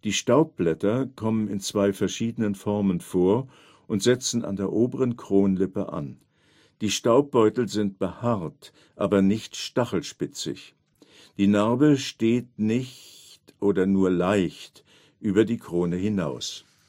Staubblätter kommen in zwei verschiedenen Formen vor und setzen an der oberen Kronlippe an. Die Staubbeutel sind behaart, aber nicht stachelspitzig. Die Narbe steht nicht oder nur leicht über die Krone hinaus